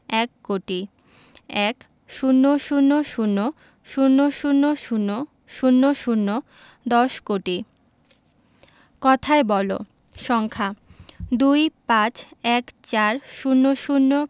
এক কোটি ১০০০০০০০০ দশ কোটি কথায় বলঃ সংখ্যাঃ ২৫ ১৪ ০০